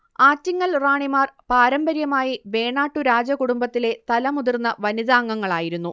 ആറ്റിങ്ങൽ റാണിമാർ പാരമ്പര്യമായി വേണാട്ടു രാജകുടുംബത്തിലെ തലമുതിർന്ന വനിതാംഗങ്ങൾ ആയിരുന്നു